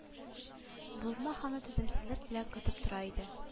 Бузмах аны түземсезлек белән көтеп тора иде